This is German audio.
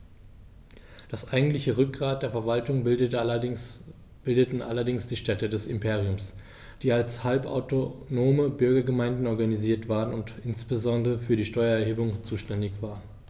Das eigentliche Rückgrat der Verwaltung bildeten allerdings die Städte des Imperiums, die als halbautonome Bürgergemeinden organisiert waren und insbesondere für die Steuererhebung zuständig waren.